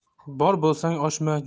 bor bo'lsang oshma